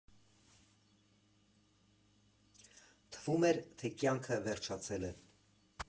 Թվում էր, թե կյանքը վերջացել է։